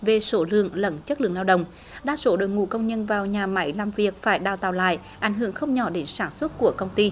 về số lượng lẫn chất lượng lao động đa số đội ngũ công nhân vào nhà máy làm việc phải đào tạo lại ảnh hưởng không nhỏ để sản xuất của công ty